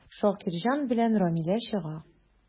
Шакирҗан белән Рамилә чыга.